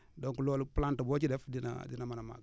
donc loolu plante boo ci def dina dina mën a m)gg